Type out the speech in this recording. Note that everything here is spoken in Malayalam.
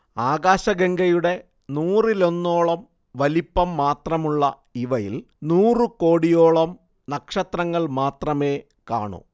ആകാശഗംഗയുടെ നൂറിലൊന്നോളം വലിപ്പം മാത്രമുള്ള ഇവയിൽ നൂറുകോടിയോളം നക്ഷത്രങ്ങൾ മാത്രമേ കാണൂ